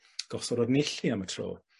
gosod o'r neilltu am y tro.